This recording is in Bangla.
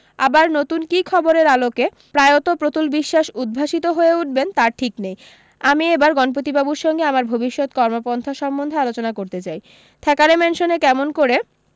আবার নতুন কী খবরের আলোকে প্রায়ত প্রতুল বিশ্বাস উদ্ভাসিত হয়ে উঠবেন তার ঠিক নেই আমি এবার গণপতিবাবুর সঙ্গে আমার ভবিষ্যত কর্মপন্থা সম্বন্ধে আলোচনা করতে চাই থ্যাকারে ম্যানসনে কেমন করে